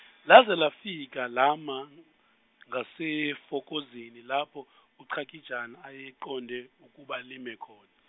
laze lafika lama ngasefokozini, lapho uChakijana ayeqonde ukuba lime khon-.